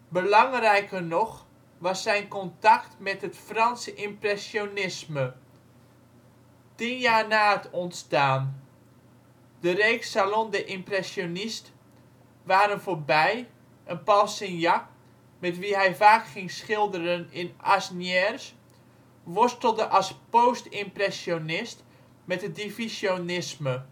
Belangrijker nog was zijn contact met het Franse impressionisme, tien jaar na het ontstaan. De reeks " Salons des Impressionistes " waren voorbij en Paul Signac, met wie hij vaak ging schilderen in Asnières, worstelde als post-impressionist met het divisionisme